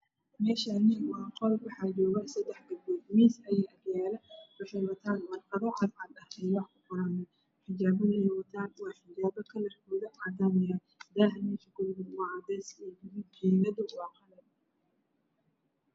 Meshani waaqol waxa joogo sedax gabdho miis ayaa agyalo waxey watan warqdo cadcad oo wax kuqorayan ijaabad eey watan waa ijaab kalarkod yahay cadan daha mesha kudhegan waa cades gaduud